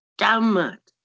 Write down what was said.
Damaid!